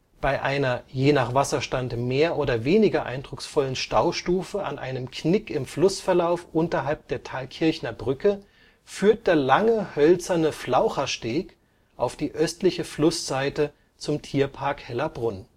Bei einer je nach Wasserstand mehr oder weniger eindrucksvollen Staustufe an einem Knick im Flussverlauf unterhalb der Thalkirchner Brücke führt der lange hölzerne Flauchersteg auf die östliche Flussseite zum Tierpark Hellabrunn